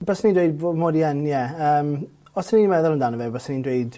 Byswn i'n dweud fo- mod i yn ie yym. Os o' fi'n meddwl amdano fyswn i'n dweud